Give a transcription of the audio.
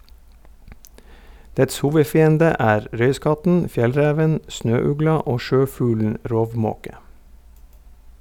Dets hovedfiende er røyskatten, fjellreven, snøugla og sjøfuglen rovmåke.